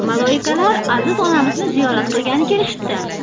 maloyikalar aziz onamizni ziyorat qilgani kelishibdi